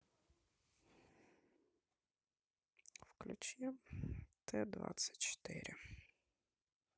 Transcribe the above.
включи т двадцать четыре